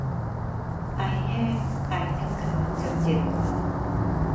ไอแห้งไอทั้งคืนจนเจ็บคอ